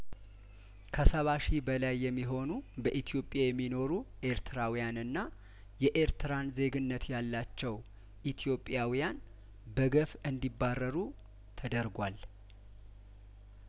ከሰባ ሺ በላይ የሚሆኑ በኢትዮጵያ የሚኖሩ ኤርትራውያንና የኤርትራን ዜግነት ያላቸው ኢትዮጵያውያን በገፍ እንዲ ባረሩ ተደርጓል